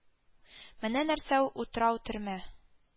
Менә нәрсә ул утрау-төрмә